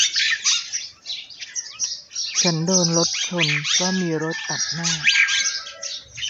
ฉันโดนรถชนเพราะมีรถตัดหน้า